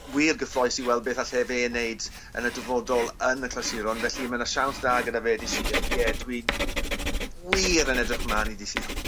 wir gyffrous i weld beth alle fe neud yn y dyfodol yn y clasuron felly ma' 'na siawns da gyda fe dy' Sul ie dwi'n wir yn edrych mlan i dy' Sul.